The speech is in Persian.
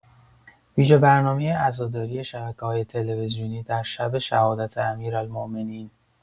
ویژه‌برنامه عزاداری شبکه‌های تلویزیونی در شب شهادت امیرالمومنین